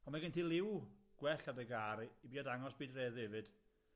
On' mae gen ti liw gwell ar dy gar yy i di arddangos budreddi efyd.